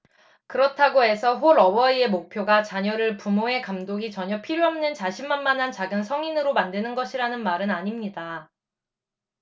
그렇다고 해서 홀어버이의 목표가 자녀를 부모의 감독이 전혀 필요 없는 자신만만한 작은 성인으로 만드는 것이라는 말은 아닙니다